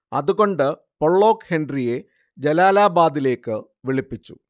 അതുകൊണ്ട് പൊള്ളോക്ക് ഹെൻറിയെ ജലാലാബാദിലേക്ക് വിളിപ്പിച്ചു